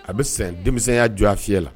A bɛ san denmisɛnninya jɔɔ fiya la!